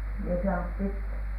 ei saanut pitää